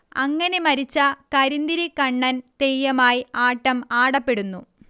അങ്ങനെ മരിച്ച കരിന്തിരി കണ്ണൻ തെയ്യമായി ആട്ടം ആടപ്പെടുന്നു